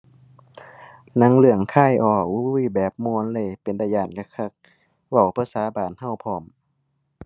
หนังเรื่องคายอ้อ อุ้ย แบบม่วนเลย เป็นตาย้านคักคัก เว้าภาษาบ้านเราพร้อม